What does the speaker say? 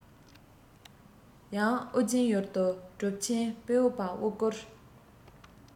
ཡང ཨུ རྒྱན ཡུལ དུ གྲུབ ཆེན བི འོག པ དབུ བསྐོར